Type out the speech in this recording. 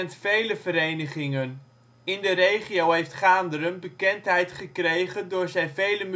vele verenigingen. In de regio heeft Gaanderen bekendheid gekregen door zijn vele